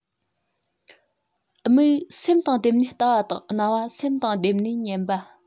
མིག སེམས དང བསྡེབས ནས ལྟ བ དང རྣ བ སེམས དང བསྡེབས ནས ཉན པ